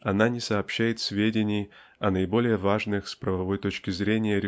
она не сообщает сведений о наиболее важных с правовой точки зрения